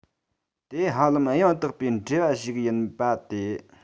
དེ ཧ ལམ ཡང དག པའི འགྲེལ བ ཞིག ཡིན པ སྟེ